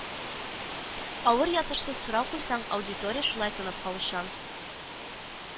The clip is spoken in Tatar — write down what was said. Авыр, ятышсыз сорау куйсаң, аудитория шулай тынып калучан